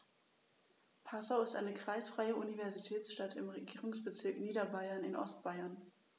Passau ist eine kreisfreie Universitätsstadt im Regierungsbezirk Niederbayern in Ostbayern.